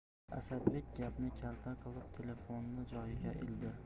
asadbek gapni kalta qilib telefonni joyiga ildi